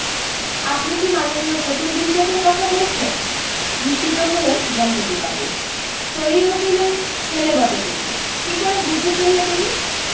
আপনি কী মাননীয় প্রতুল বিশ্বাসের কথা বলছেন বিসমিত হলেন গণপতিবাবু হরি উকিলের ছেলে বটে তুমি কী করে বুঝে ফেললে তুমি